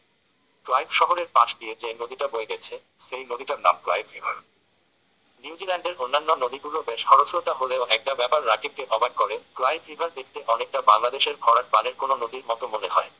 Clive শহরের পাশ দিয়ে যে নদীটা বয়ে গেছে সেই নদীটার নাম ক্লাইভ রিভার নিউজিল্যান্ডের অন্যান্য নদীগুলো বেশ খরস্রোতা হলেও একটা ব্যাপার রাকিবকে অবাক করে ক্লাইভ রিভার দেখতে অনেকটা বাংলাদেশের ভরাট বানের কোনো নদীর মতো মনে হয়